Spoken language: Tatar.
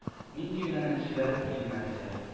Нинди генә нәтиҗәләргә килмәделәр